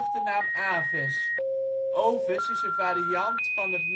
de naam " Aves ". Oves is een variant van het